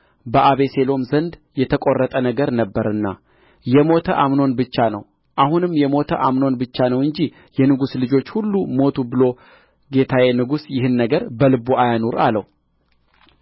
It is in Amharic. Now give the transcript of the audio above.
በአቤሴሎም ዘንድ የተቈረጠ ነገር ነበረና የሞተ አምኖን ብቻ ነው አሁንም የሞተ አምኖን ብቻ ነው እንጂ የንጉሥ ልጆች ሁሉ ሞቱ ብሎ ጌታዬ ንጉሡ ይህን ነገር በልቡ አያኑር አለው